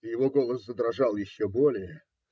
И его голос задрожал еще более.